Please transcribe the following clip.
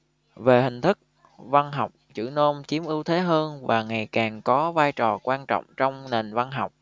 về hình thức văn học chữ nôm chiếm ưu thế hơn và ngày càng có vai trò quan trọng trong nền văn học